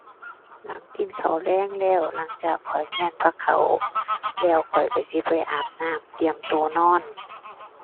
หลังกินข้าวแลงแล้ว หลังจากข้อยเมี้ยนพาข้าว แล้วข้อยก็สิไปอาบน้ำ เตรียมก็นอน